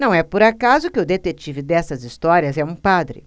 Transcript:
não é por acaso que o detetive dessas histórias é um padre